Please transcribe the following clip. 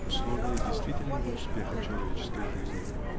-- условие действительного успеха человеческой жизни.